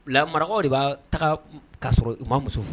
La marakaw de b'a taga k' sɔrɔ u ma muso furu